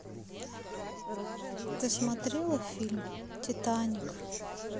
ты смотрела фильм титаник